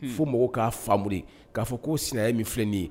Fɔ mɔgɔw k'a faamu k'a fɔ ko sinan min filɛ nin ye